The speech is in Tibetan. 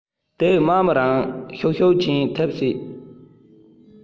དེའི དམག མིའི ངར ཤུགས ཤུགས རྐྱེན ཐེབས སྲིད